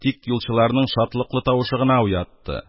Тик юлчыларның шатлыклы тавышы гына уятты.